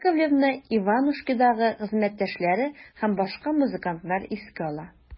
Яковлевны «Иванушки»дагы хезмәттәшләре һәм башка музыкантлар искә ала.